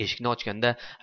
eshikni ochganda